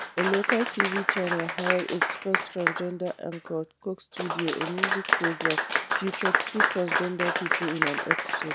A local TV channel hired its first transgender anchor; Coke studio, a music program, featured two transgender people in an episode.